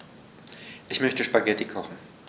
Ich möchte Spaghetti kochen.